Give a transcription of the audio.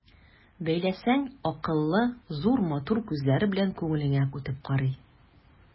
Бәйләсәң, акыллы, зур, матур күзләре белән күңелеңә үтеп карый.